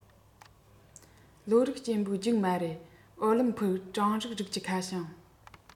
བློ རིག སྐྱེན པོའི རྒྱུགས མ རེད ཨོ ལིམ ཕིག གྲངས རིག རིགས ཀྱི ཁ བྱང